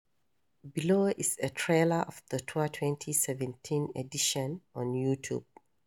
Below is a trailer of the tour's 2017 edition on YouTube: